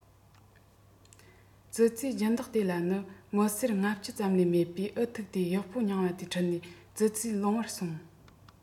ཙི ཙིའི སྦྱིན བདག དེ ལ ནི མི སེར ལྔ བཅུ ཙམ ལས མེད པས འུ ཐུག སྟེ གཡོག པོ རྙིང པ དེ ཁྲིད ནས ཙི ཙིའི ལུང པར སོང